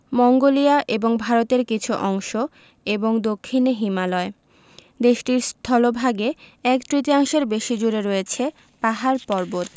Mongolia এবং ভারতের কিছু অংশ এবং দক্ষিনে হিমালয় দেশটির স্থলভাগে এক তৃতীয়াংশের বেশি জুড়ে রয়েছে পাহাড় পর্বত